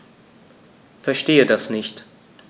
Verstehe das nicht.